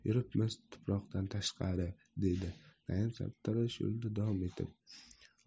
yuribmiz tuproqdan tashqari deydi naim sartarosh yo'lida davom etib